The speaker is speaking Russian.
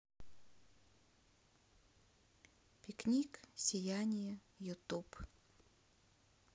пикник сияние ютуб